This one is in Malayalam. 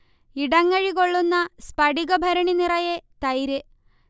ഇടങ്ങഴി കൊള്ളുന്ന സ്ഫടിക ഭരണി നിറയെ തൈര്